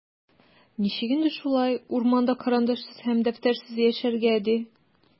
Ничек инде шулай, урманда карандашсыз һәм дәфтәрсез яшәргә, ди?!